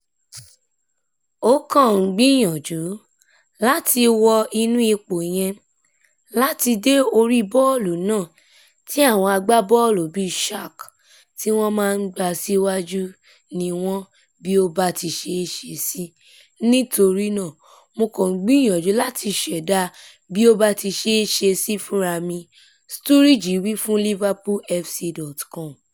Ó kàn ń gbìyànjú láti wọ inú ipò yẹn, láti dé orí bọ́ọ̀lù náà tí àwọn agbábọ́ọ̀lù bíi Shaq tí wọn máa ńgbá a siwaju níwọn bí ó báti ṣée ṣe sí, nítorínaa Mo kàn gbìyànjú láti ṣẹ̀dá bí o báti ṣée ṣe sí funrami,'' Sturridge wí fún LiverpoolFC.com.